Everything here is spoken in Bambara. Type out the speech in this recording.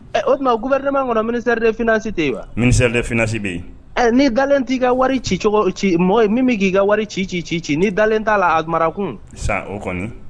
Ɛ o tuma ku gouvernement kɔnɔ ministère des finances tɛ yen wa ministère des finances bɛ yen, ni dalen t'i ka wari cicogo ci mɔgɔ min bɛ k'i ka wari ci ci ci ci ni dalen t'a la a mararakun, sisan o kɔni